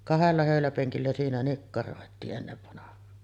kahdella höyläpenkillä siinä nikkaroitiin ennen vanhaan